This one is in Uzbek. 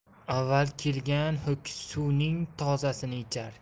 avval kelgan ho'kiz suvning tozasini ichar